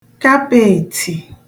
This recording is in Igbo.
kapēètì